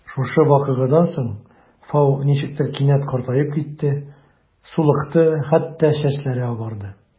Шушы вакыйгадан соң Фау ничектер кинәт картаеп китте: сулыкты, хәтта чәчләре агарды.